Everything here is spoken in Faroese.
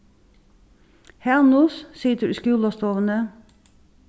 hanus situr í skúlastovuni